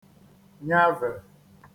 nyavè